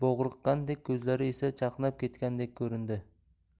bo'g'riqqandek ko'zlari esa chaqnab ketgandek ko'rindi